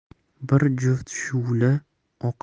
bir juft shu'la